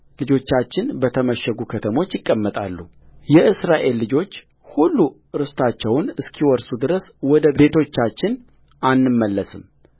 ልጆቻችን በተመሸጉ ከተሞች ይቀመጣሉየእስራኤል ልጆች ሁሉ ርስታቸውን እስኪወርሱ ድረስ ወደ ቤቶቻችን አንመለስም